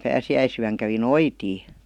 pääsiäisyönä kävi noitia